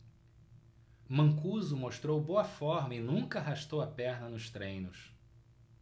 mancuso mostrou boa forma e nunca arrastou a perna nos treinos